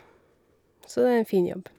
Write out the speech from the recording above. Så det er en fin jobb.